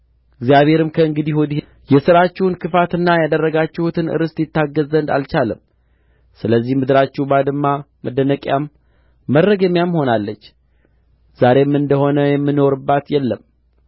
እግዚአብሔርም ከእንግዲህ ወዲህ የሥራችሁን ክፋትና ያደረጋችሁትን ርኵሰት ይታገሥ ዘንድ አልቻለም ስለዚህ ምድራችሁ ባድማ መደነቂያም መረገሚያም ሆናለች ዛሬም እንደ ሆነ የሚኖርባት የለም